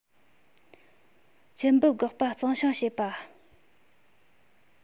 ཆུ སྦུབས འགགས པ གཙང བཤང བྱེད པ